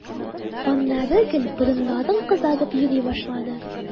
Аннары гел борыннарың кызарып йөри башлады.